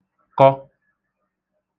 kọ